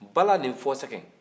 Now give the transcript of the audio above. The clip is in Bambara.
bala nin fɔ sɛgɛ